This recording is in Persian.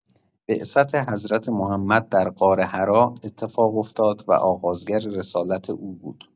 بعثت حضرت محمد در غار حرا اتفاق افتاد و آغازگر رسالت او بود.